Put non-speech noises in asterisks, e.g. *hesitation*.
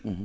*hesitation* *hesitation*